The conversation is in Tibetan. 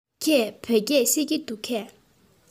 ཁོས བོད སྐད ཤེས ཀྱི འདུག གས